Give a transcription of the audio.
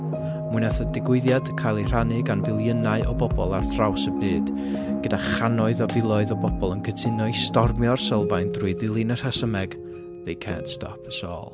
Mi wnaeth y digwyddiad cael ei rhannu gan filiynnau o bobl ar draws y byd, gyda chanoedd a filoedd o bobl yn cytuno i stormio'r sylfaen drwy ddilyn y rhesymeg "They Can't Stop Us All".